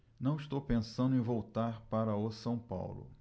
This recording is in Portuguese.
não estou pensando em voltar para o são paulo